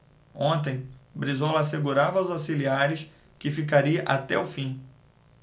ontem brizola assegurava aos auxiliares que ficaria até o fim